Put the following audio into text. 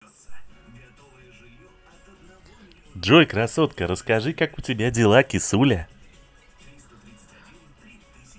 джой красотка расскажи как у тебя дела кисуля